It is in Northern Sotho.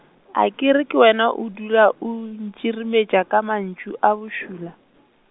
akere ke wena o dula o ntsirimetša ka mantšu a bošula.